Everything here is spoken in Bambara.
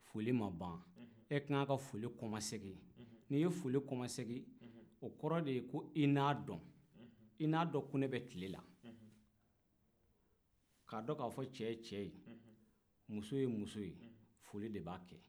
foli ma ban e ka kan ka foli kɔmasegin n'i ye foli kɔmasegin o kɔrɔ de ye ko i k'a dɔn i k'a dɔn ko ne bɛ tile la k'a dɔn k'a fɔ cɛ ye cɛ ye foli de b'a kɛ